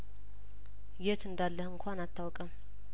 የት እንዳለህ እንኳን አታውቀውም